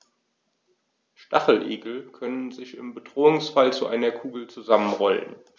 Stacheligel können sich im Bedrohungsfall zu einer Kugel zusammenrollen.